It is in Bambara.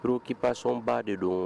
Puruurkipsɔnba de don